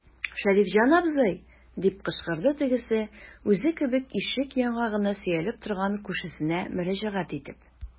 Шәрифҗан абзый, - дип кычкырды тегесе, үзе кебек ишек яңагына сөялеп торган күршесенә мөрәҗәгать итеп.